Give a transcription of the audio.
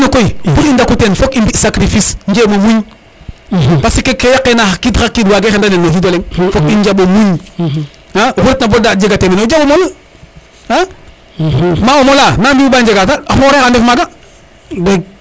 kene koy pour i ndaku ten fok i mbi sacrifice njemo muñ parce que ke yaqena xa qid wage xendanel no xido leŋ fok i njaɓo muñ oxu ret na bo daɗ jegate men o jaɓo mol ma o mola na mbi u ba njega daɗ xa foret xa ndef maga